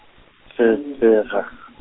tse tse ra.